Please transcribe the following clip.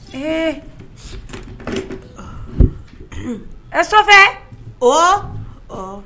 Ee e o